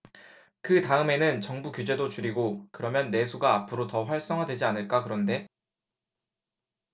그 다음에는 정부 규제도 줄이고 그러면 내수가 앞으로 더 활성화되지 않을까 그런데